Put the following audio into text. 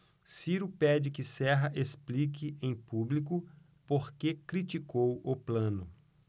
ciro pede que serra explique em público por que criticou plano